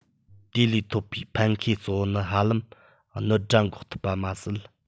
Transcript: དེ ལས ཐོབ པའི ཕན ཁེ གཙོ བོ ནི ཧ ལམ གནོད དགྲ འགོག ཐུབ པ མ ཟད